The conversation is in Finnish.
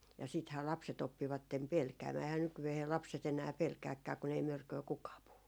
ja sittenhän lapset oppivat pelkäämään eihän nykyään lapset enää pelkääkään kun ei mörköä kukaan puhu